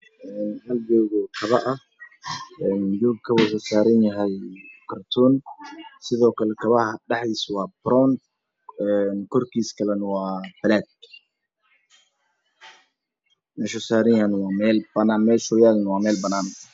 Hal joogo kaba ah joog kabaha wuxuu saaran yahay kartoon sidoo kale kabaha dhexdiisa waa brown korkiisa kalena waa ballaag meeshuu saaran yahayna waa meel bannaan